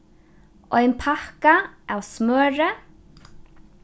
ein pakka av smøri